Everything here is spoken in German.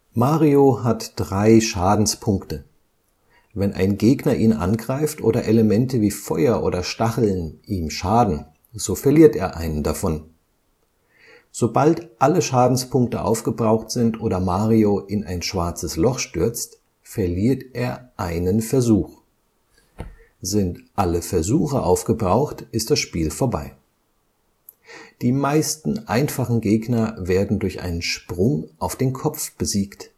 Mario hat drei Schadenspunkte. Wenn ein Gegner ihn angreift oder Elemente wie Feuer oder Stacheln ihm schaden, so verliert er einen davon. Sobald alle Schadenspunkte aufgebraucht sind oder Mario in ein schwarzes Loch stürzt, verliert er einen Versuch. Sind alle Versuche aufgebraucht, ist das Spiel vorbei. Die meisten einfachen Gegner werden durch einen Sprung auf den Kopf besiegt